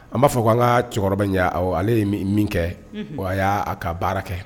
An b'a fɔ ko an ka cɛkɔrɔba ale ye min kɛ o y'a ka baara kɛ